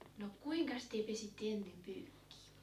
no kuinkas te pesitte ennen pyykkiä